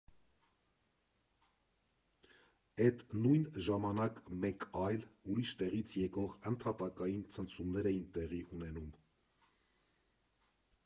Էդ նույն ժամանակ մեկ այլ, ուրիշ տեղից եկող ընդհատակային ցնցումներ էին տեղի ունենում.